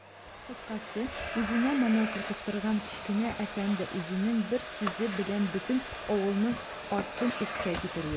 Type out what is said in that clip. Кыскасы, күзенә монокль кыстырган кечкенә әфәнде үзенең бер сүзе белән бөтен авылның астын-өскә китерде.